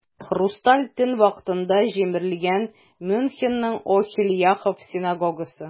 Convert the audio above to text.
"хрусталь төн" вакытында җимерелгән мюнхенның "охель яаков" синагогасы.